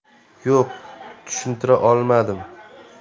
yo'q tushuntira olmadim